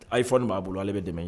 A' ye fɔ b'a bolo ale bɛ dɛmɛ ye